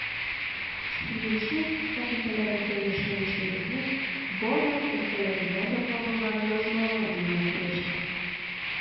“сөенче” сәхифәләрендә яшәешебезнең барлык өлкәләренә дә кагылган язмалар дөнья күрәчәк.